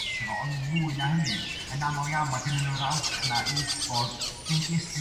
ato fo ond fwy na hynny yn amal iawn ma' gyno n'w yr awch 'na i w'bod be 'di ystyr